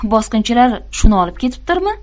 bosqinchilar shuni olib ketibdirmi